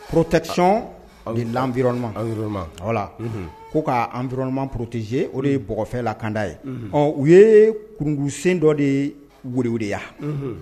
Protection de l'environnement voilà, environnement ko ka environnement protégé o ye bɔgɔfɛ lakanda ye, unhun, ɔ u kuru-kuru siyɛn dɔ de weele weeleya.